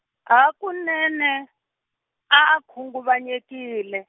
hakunene, a a khunguvanyekile.